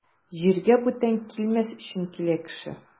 Җиргә бүтән килмәс өчен килә кеше.